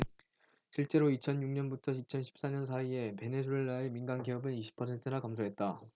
실제로 이천 육 년부터 이천 십 사 년 사이에 베네수엘라의 민간기업은 이십 퍼센트나 감소했다